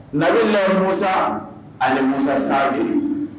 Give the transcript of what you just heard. Na le musa ani musa sa de don